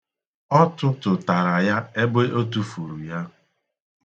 Ọ tụtụtara ya ebe o tufuru ya.